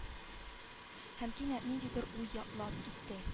Һәм кинәт ниндидер уй ялтлап китте